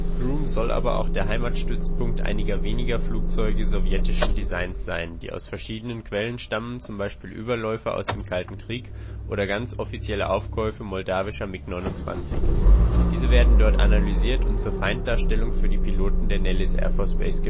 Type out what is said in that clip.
Groom ist aber, wie berichtet wird, auch der Heimatstützpunkt einiger weniger Flugzeuge sowjetischen Designs (die aus verschiedenen Quellen stammen, z.B. Überläufer aus dem Kalten Krieg oder ganz offizielle Aufkäufe moldawischer MiG-29). Diese werden dort analysiert und zur Feinddarstellung für die Piloten der Nellis AFB genutzt